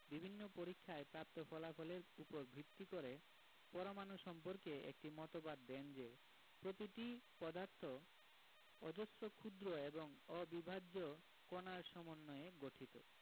বিভিন্ন পরীক্ষায় প্রাপ্ত ফলাফলের উপর ভিত্তি করে পরমাণু সম্পর্কে একটি মতবাদ দেন যে প্রতিটি পদার্থ অজস্র ক্ষুদ্র এবং অবিভাজ্য কণার সমন্বয়ে গঠিত